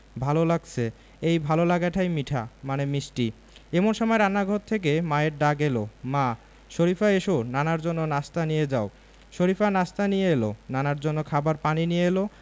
ভালো লাগছে এই ভালো লাগাটাই মিঠা মানে মিষ্টি এমন সময় রান্নাঘর থেকে মায়ের ডাক এলো মা শরিফা এসো নানার জন্য নাশতা নিয়ে যাও শরিফা নাশতা নিয়ে এলো নানার জন্য খাবার পানি নিয়ে এলো